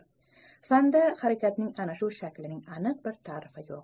fanda harakatning ana shu shaklining aniq bir ta'rifi yo'q